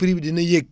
prix bi dina yéeg